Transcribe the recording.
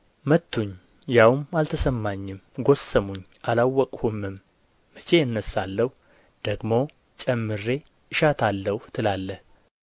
መቱኝ ያውም አልተሰማኝም ጐሰሙኝ አላወቅሁምም መቼ እነሣለሁ ደግሞ ጨምሬ እሻታለሁ ትላለህ